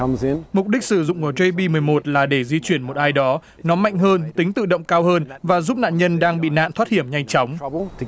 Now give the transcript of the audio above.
mục đích sử dụng của rê bi mười một là để di chuyển một ai đó nó mạnh hơn tính tự động cao hơn và giúp nạn nhân đang bị nạn thoát hiểm nhanh chóng